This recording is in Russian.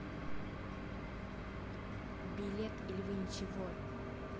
билет или вы ничего